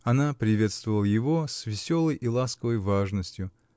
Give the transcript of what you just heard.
она приветствовала его с веселой и ласковой важностью.